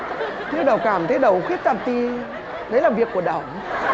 thế đẩu cảm thấy đẩu khuyết tật thì đấy là việc của đẩu